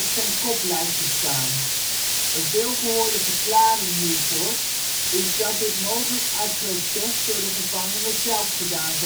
zijn kop lijkt te staan. Een veelgehoorde verklaring hiervoor is dat dit mogelijk uit protest door de gevangenen zelf gedaan